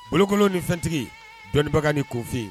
Bolokolon ni fɛntigi, dɔnnibaga ni kunfin